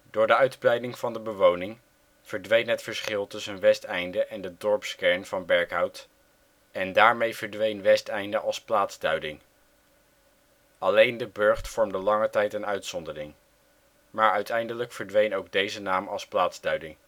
Door de uitbreiding van de bewoning verdween het verschil tussen Westeinde en de dorpskern van Berkhout, en daarmee verdween Westeinde als plaatsduiding. Alleen De Burgt vormde lange tijd een uitzondering. Maar uiteindelijk verdween ook deze naam als plaatsduiding